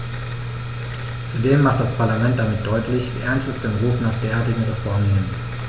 Zudem macht das Parlament damit deutlich, wie ernst es den Ruf nach derartigen Reformen nimmt.